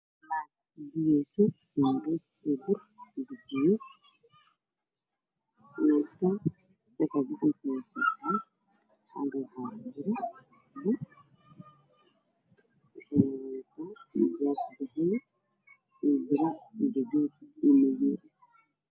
Waxaa ii muuqda an fadhido islaan meel waxaa lagu kariyo oo jika ah waxay qabtaa xigaad gudubkeeda waxaa yaalo walal fara badan